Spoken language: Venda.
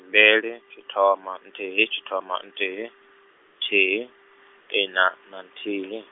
mbili, tshithoma, nthihi tshithoma nthihi, thihi, ina na nthihi.